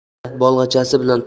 yana bolg'achasi bilan